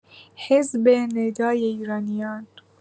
حزب ندای ایرانیان